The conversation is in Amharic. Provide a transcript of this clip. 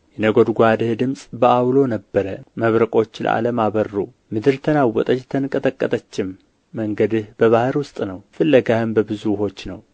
የነጐድጓድህ ድምፅ በዐውሎ ነበረ መብረቆች ለዓለም አበሩ ምድር ተናወጠች ተንቀጠቀጠችም መንገድህ በባህር ውስጥ ነው ፍለጋህም በብዙ ውኆች ነው